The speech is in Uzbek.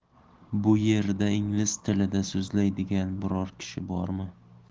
bu yerda ingliz tilida so'zlaydigan biror kishi bormi